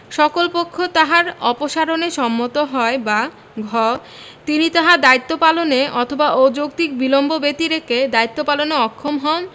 সকল পক্ষ তাহার অপসারণে সম্মত হয় বা ঘ তিনি তাহার দায়িত্ব পালনে অথবা অযৌক্তিক বিলম্ব ব্যতিরেকে দায়িত্ব পালনে অক্ষম হন